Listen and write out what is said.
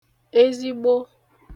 ezigbo